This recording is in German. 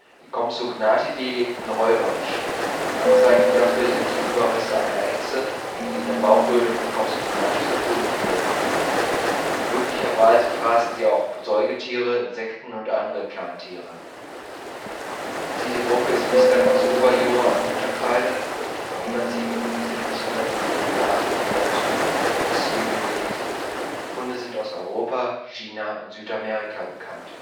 Die Compsognathidae lebten räuberisch. Anzeichen dafür sind die Überreste einer Echse, die in der Bauchhöhle von Compsognathus gefunden wurden. Möglicherweise fraßen sie auch Säugetiere, Insekten und andere Kleintiere. Diese Gruppe ist bislang aus Oberjura und Unterkreide (etwa 157 bis 100 Millionen Jahre vor heute) fossil belegt. Funde sind aus Europa, China und Südamerika bekannt